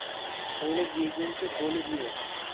o'lib yeguncha bo'lib ye